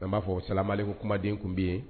An b'a fɔ salamalekum kumaden tun bɛ yen.